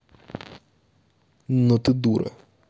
но ты дура